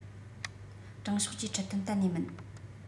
དྲང ཕྱོགས ཀྱི ཁྲིད སྟོན གཏན ནས མིན